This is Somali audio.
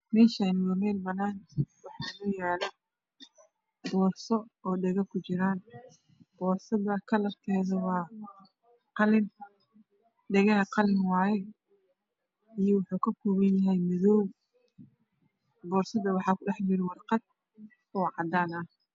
Meshaku waa mel banaan waxaa yala boorso dhego ku jiran borsada kalar koodu waa qalin dhegaha waa qalin iyo madoow borsada waxaa ku jira warqad oo cadan ah